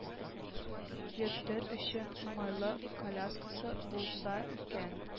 Йөртер өчен уңайлы коляскасы булса икән